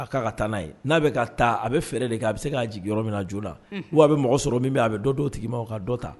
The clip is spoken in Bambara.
A' kan ka taa n'a ye, n'a bɛ ka taa a bɛ fɛɛrɛ de kɛ a bɛ se k'a jigin yɔrɔ min na joona, unhun, ou bien a bɛ mɔgɔ sɔrɔ min a bɛ dɔ d'o tigi ma ka dɔ ta